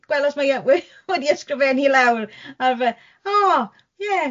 gweld os mae e we- wedi ysgrifennu lawr ar fy-... O ie.